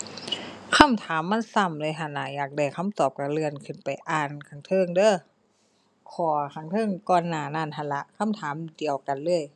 คำถามมันซ้ำด้วยหั้นล่ะ อยากได้คำตอบก็เลื่อนขึ้นไปอ่านข้างเทิงเด้อ ข้อข้างเทิงก่อนหน้านั้นหั้นล่ะ คำถามเดียวกันเลย